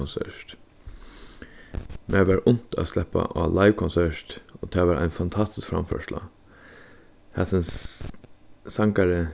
konsert mær var unt at sleppa á live konsert og tað var ein fantastisk framførsla hasin sangari